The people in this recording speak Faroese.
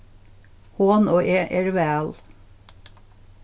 hon og eg eru væl